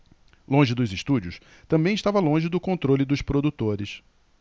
longe dos estúdios também estava longe do controle dos produtores